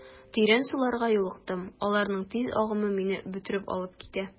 Тирән суларга юлыктым, аларның тиз агымы мине бөтереп алып китә.